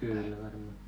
kyllä varmaan